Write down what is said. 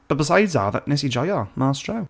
But besides that, wnes i joio mas draw.